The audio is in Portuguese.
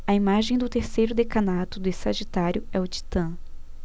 a imagem do terceiro decanato de sagitário é o titã